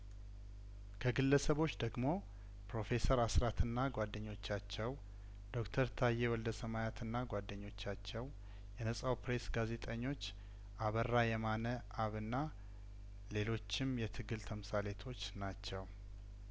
ከግለሰቦች ደግሞ ፕሮፌሰር አስራትና ጓደኞቻቸው ዶክተር ታዬ ወልደሰማያትና ጓደኞቻቸው የነጻው ኘሬስ ጋዜጠኞች አበራ የማነ አብና ሌሎችም የትግል ተምሳሌቶች ናቸው